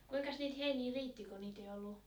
kuinkas niitä heiniä riitti kun niitä ei ollut